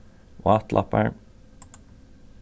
vátlappar